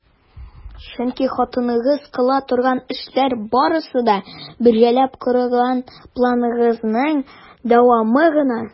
Чөнки хатыныгыз кыла торган эшләр барысы да - бергәләп корган планыгызның дәвамы гына!